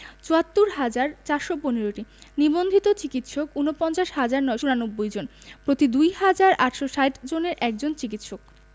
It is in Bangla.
৭৪হাজার ৪১৫টি নিবন্ধিত চিকিৎসক ৪৯হাজার ৯৯৪ জন প্রতি ২হাজার ৮৬০ জনের জন্য একজন চিকিৎসক